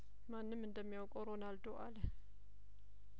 ማንም እንደሚያውቀው ሮናልዶ አለ